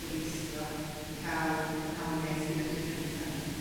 gobeithio yn ca'l cynhaliaeth i fedri gneud hynny.